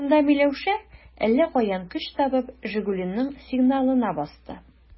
Шунда Миләүшә, әллә каян көч табып, «Жигули»ның сигналына басты.